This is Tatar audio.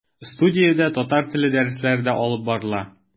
Студиядә татар теле дәресләре дә алып барыла.